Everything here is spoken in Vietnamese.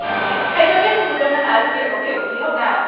hãy cho biết khu vực đông nam á lục địa có kiểu khí hậu nào